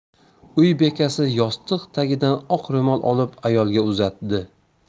uy bekasi yostiq tagidan oq ro'mol olib ayolga uzatdi